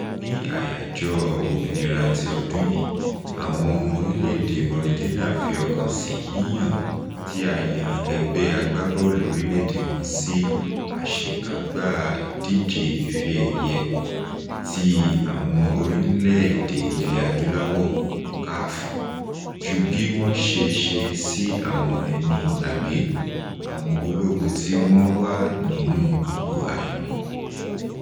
Ní àyájọ́ ọjọ́ òmìnira ti ọdún yìí, àwọn ọmọ orílẹ̀-èdè Mauritania fi ọkàn sí yíyàn tí a yan ẹgbẹ́ agbábọ́ọ̀lù orílẹ̀-èdè wọn sí àṣekágbá ìdíje Ife-ẹ̀yẹ ti àwọn orílẹ̀-èdè Ilẹ̀-Adúláwọ̀ (CAF) ju bí wọ́n ṣe ṣe sí àwọn ẹni ìgbàgbé, àwọn ológun tí wọ́n wà nínú kòtò àìmọ̀ ...